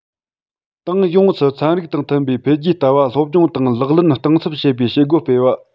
ཏང ཡོངས སུ ཚན རིག དང མཐུན པའི འཕེལ རྒྱས ལྟ བ སློབ སྦྱོང དང ལག ལེན གཏིང ཟབ བྱེད པའི བྱེད སྒོ སྤེལ བ